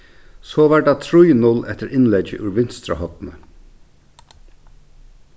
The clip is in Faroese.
so varð tað trý null eftir innleggi úr vinstra horni